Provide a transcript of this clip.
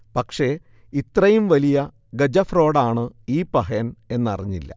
പക്ഷേ ഇത്രയും വലിയ ഗജഫ്രോഡാണ് ഈ പഹയൻ എന്നറിഞ്ഞില്ല